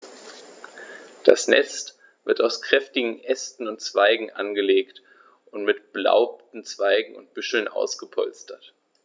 Das Nest wird aus kräftigen Ästen und Zweigen angelegt und mit belaubten Zweigen und Büscheln ausgepolstert.